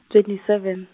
twenty seven.